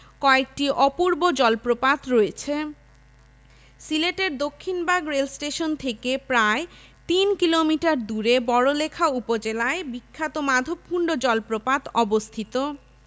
কয়েকটি অপূর্ব জলপ্রপাত রয়েছে সিলেটের দক্ষিণবাগ রেলস্টেশন থেকে প্রায় ৩ কিলোমিটার দূরে বড়লেখা উপজেলায় বিখ্যাত মাধবকুন্ড জলপ্রপাত অবস্থিত